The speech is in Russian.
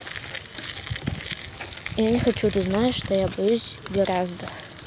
я не хочу ты знаешь что я боюсь гораздо